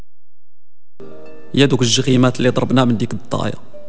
يدك الزخمات اللي طلبنا منك بطاريه